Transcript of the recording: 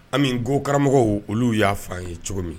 An ko karamɔgɔ olu y'a fa ye cogo min